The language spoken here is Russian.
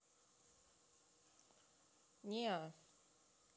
неа